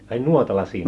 ai nuotalla siinä